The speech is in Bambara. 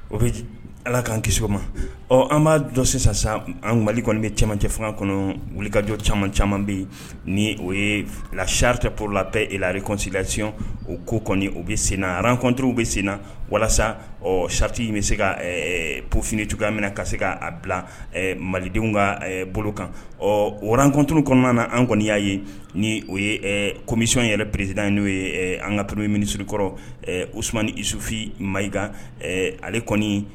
O bɛ ala'an kiso ma ɔ an b'a jɔ sisan an mali kɔni bɛ cɛman cɛ fanga kɔnɔ wulikajɔ caman caman bɛ yen ni o ye lahari tɛ porolatɛ ereksilasiyɔn o ko kɔni o bɛ sen kɔntw bɛ sen na walasa ɔ sariti bɛ se ka pfini cogoya minɛ na ka se ka'a bila malidenw ka bolo kan ɔ w kɔnturu kɔnɔna na an kɔni y'a ye ni o ye komisiyɔn yɛrɛ peresida n'o ye an katouru ye minisiririkɔrɔ osumansufin maka ale kɔni